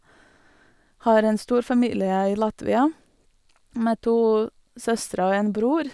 Har en stor familie i Latvia, med to søstre og en bror.